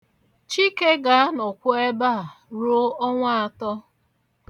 Chike ga-anọkwu ebe ruo ọnwa atọ